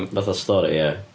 Fatha stori, ia.